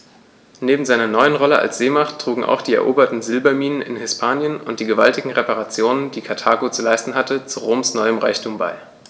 Neben seiner neuen Rolle als Seemacht trugen auch die eroberten Silberminen in Hispanien und die gewaltigen Reparationen, die Karthago zu leisten hatte, zu Roms neuem Reichtum bei.